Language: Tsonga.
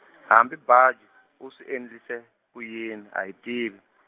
hambi Baji, u swi endlise, ku yini a hi tivi?